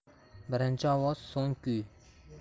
birinchi ovoz so'ng kuy